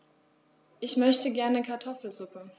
Ich möchte gerne Kartoffelsuppe.